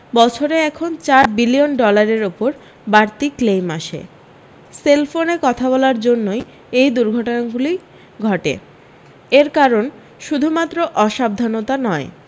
বছরে এখন চার বিলিয়ন ডলারের ওপর বাড়তি ক্লেইম আসে সেলফোনে কথা বলার জন্যই এই দুর্ঘটনাগুলি ঘটে এর কারণ শুধুমাত্র অসাবধানতা নয়